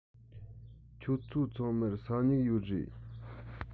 ཁྱོད ཚོ ཚང མར ས སྨྱུག ཡོད རེད